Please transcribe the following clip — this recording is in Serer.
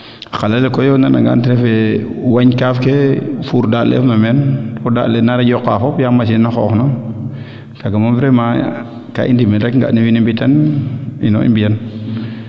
a qala le koy o nana ngaan ten refu yee wañ kaaf ke fuur deend le ref na meen fo dand le na yoqa fop yaam machine na xoox nan kaaga moom vraiment kaa i ndimel rek nga ne wene mbi tan ino i mbiyan